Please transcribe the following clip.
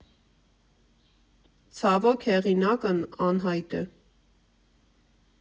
Ցավոք, հեղինակն անհայտ է։